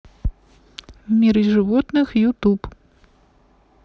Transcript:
в мире животных ютуб